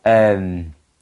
yym